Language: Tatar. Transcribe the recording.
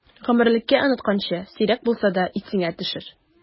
Гомерлеккә онытканчы, сирәк булса да исеңә төшер!